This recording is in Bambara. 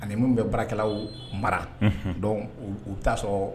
Ani min bɛ baarakɛlaw mara dɔn u bɛ taa sɔrɔ